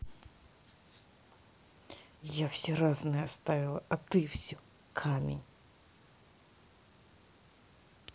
я все разные оставила а ты все камень